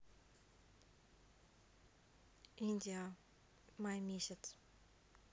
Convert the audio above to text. индиа май месяц